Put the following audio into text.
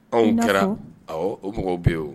Anw kɛra ɔ o mɔgɔw bɛ yen